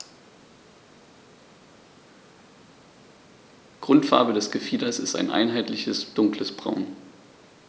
Grundfarbe des Gefieders ist ein einheitliches dunkles Braun.